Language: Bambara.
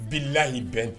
Bi lahiyi bɛn